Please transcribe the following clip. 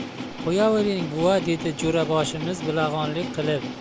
qo'yavering buva deydi jo'raboshimiz bilag'onlik qilib